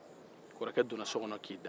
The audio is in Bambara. kɔrɔkɛ donna so kɔnɔ k'a da